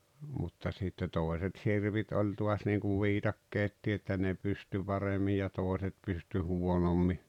mutta sitten toiset sirpit oli taas niin kuin viikatteetkin että ne pystyi paremmin ja toiset pystyi huonommin